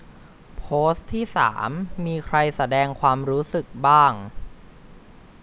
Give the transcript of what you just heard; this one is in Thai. โพสต์ที่สามมีใครแสดงความรู้สึกบ้าง